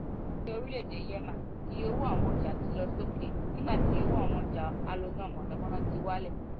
Ní orílẹ̀-èdè Yemen, iye owó àwọn ọjà ti lọ sókè nígbà tí iye owó àwọn ọjà alonáamọ̀nàmọ́ná ti wálẹ̀.